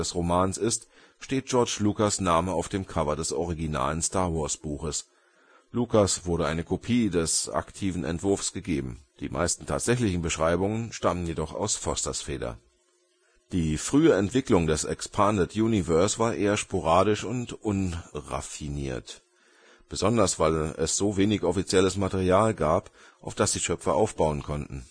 Romans ist, steht George Lucas Name auf dem Cover des originalen Star-Wars-Buches. Lucas wurde eine Kopie des aktiven Entwurfs gegeben. Die meisten tatsächlichen Beschreibungen stammen jedoch aus Fosters Feder. Die frühe Entwicklung des Expanded Universe war eher sporadisch und unraffiniert, besonders weil es so wenig offizielles Material gab, auf das die Schöpfer aufbauen konnten